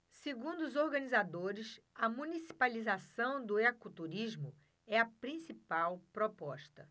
segundo os organizadores a municipalização do ecoturismo é a principal proposta